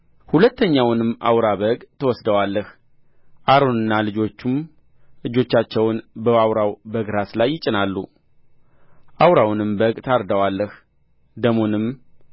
ሁለተኛውንም አውራ በግ ትወስደዋለህ አሮንና ልጆቹም እጆቻቸውን በአውራው በግ ራስ ላይ ይጭናሉ አውራውንም በግ ታርደዋለህ ደሙንም